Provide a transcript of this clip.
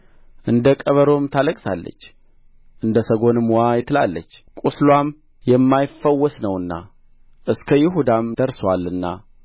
እንደ ቀበሮ ታለቅሳለች እንደ ሰጐንም ዋይ ትላለች ቍስልዋ የማይፈወስ ነውና እስከ ይሁዳም ደርሶአልና